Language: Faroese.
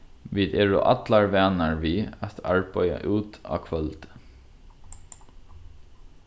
vit eru allar vanar við at arbeiða út á kvøldi